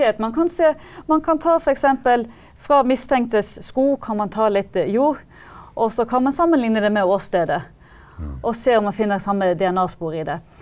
man kan se man kan ta f.eks. fra mistenktes sko kan man ta litt jord, og så kan man sammenligne det med åstedet og se om man finner samme DNA-spor i det.